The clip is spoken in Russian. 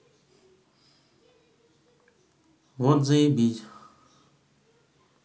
вот заебись